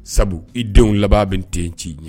Sabu i denw laban bɛ den ci ɲɛ